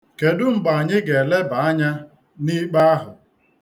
Kedụ mgbe anyị ga-eleba anya n'ikpe ahụ?